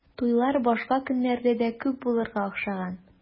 Туйлар башка көннәрдә дә күп булырга охшаган.